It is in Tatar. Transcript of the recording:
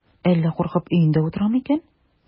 Әллә куркып өендә утырамы икән?